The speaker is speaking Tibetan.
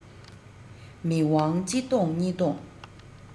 མིག དབང གཅིག ལྡོངས གཉིས ལྡོངས